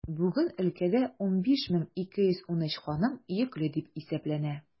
Бүген өлкәдә 15213 ханым йөкле дип исәпләнә.